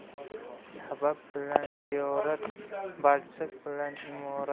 sabab bilan ziyorat balchiq bilan imorat